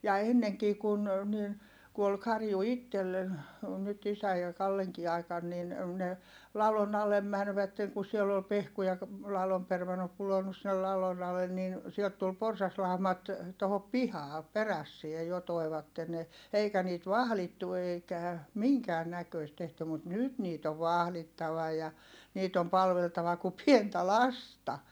ja ennenkin kun niin kun oli karju itsellä oli nyt isän ja Kallenkin aikana niin ne ladon alle menivät kun siellä oli pehkuja ladon - pudonnut sinne ladon alle niin sieltä tuli porsaslaumat tuohon pihaan perässä jo toivat ne eikä niitä vahdittu eikä minkään näköistä tehty mutta nyt niitä on vahdittava ja niitä on palveltava kuin pientä lasta